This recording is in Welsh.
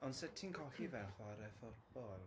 Ond sut ti'n colli fe chwarae football?